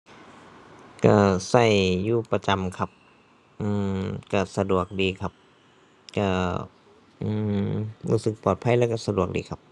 ก็ก็อยู่ประจำครับ อืม ก็สะดวกดีครับ ก็ อืม รู้สึกปลอดภัยแล้วก็สะดวกดีครับ